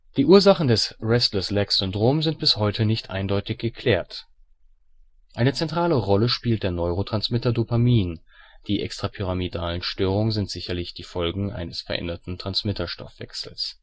Die Ursachen des Restless-Legs-Syndroms sind bis heute nicht eindeutig geklärt. Eine zentrale Rolle spielt der Neurotransmitter Dopamin, die extrapyramidalen Störungen sind sicherlich die Folgen eines veränderten Transmitterstoffwechsels